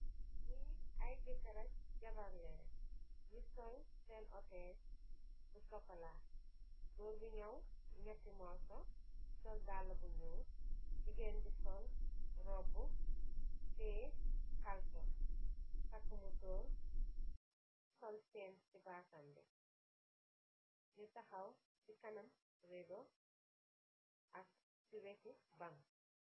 Nyi ay jekar ak jabarr lene nyu sol sene otess bu sokola. Goor bi nyoww nyeti morso sol dala bu nyul, jigene bi sol robu tiye kalpe, taka musorr, sol chen si batambi, nyu tahaw si kanam mi rido ak si weti bang.